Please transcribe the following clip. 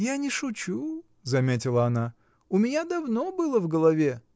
— Я не шучу, — заметила она, — у меня давно было в голове.